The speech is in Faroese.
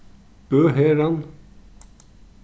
bøherðan